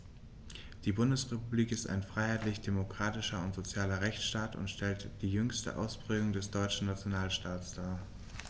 Die Bundesrepublik ist ein freiheitlich-demokratischer und sozialer Rechtsstaat und stellt die jüngste Ausprägung des deutschen Nationalstaates dar.